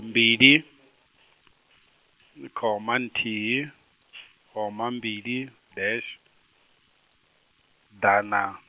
mbili, ndi khoma nthihi, khoma mbili, dash, dana-.